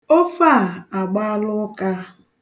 Ofe a agbaala ụka.